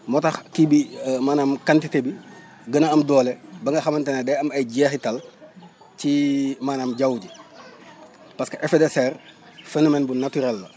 moo tax kii bi maanaam quantité bi gën a am doole ba nga xamante ne day am ay jeexital ci maanaam jaww ji parce que effet de serre phénomène bu naturel la